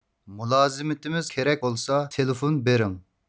مۇلازىمىتىمىز كېرەك بولسا تېلېفون بېرىڭ